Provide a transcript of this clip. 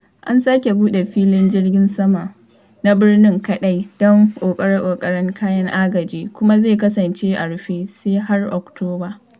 An sake buɗe filin jirgin sama na birnin kaɗai don ƙoƙare-ƙoƙaren kayan agaji kuma zai kasance a rufe sai har Octoba.